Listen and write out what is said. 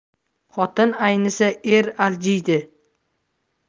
xotin aynisa er aljiydi